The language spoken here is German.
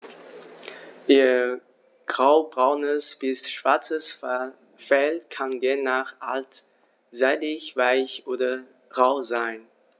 Ihr graubraunes bis schwarzes Fell kann je nach Art seidig-weich oder rau sein.